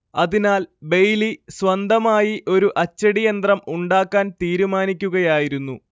അതിനാൽ ബെയ്‌ലി സ്വന്തമായി ഒരു അച്ചടിയന്ത്രം ഉണ്ടാക്കാൻ തീരുമാനിക്കുകയായിരുന്നു